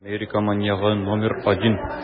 Америка маньягы № 1